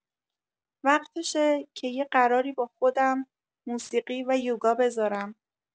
وقتشه که یه قراری با خودم، موسیقی و یوگا بذارم.